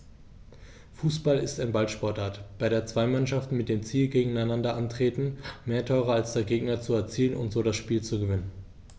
Fußball ist eine Ballsportart, bei der zwei Mannschaften mit dem Ziel gegeneinander antreten, mehr Tore als der Gegner zu erzielen und so das Spiel zu gewinnen.